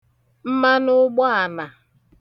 mmanụụgbaànà